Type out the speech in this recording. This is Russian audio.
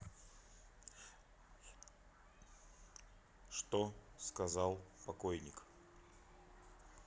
кто сказал покойник